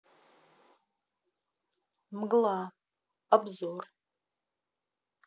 мгла обзор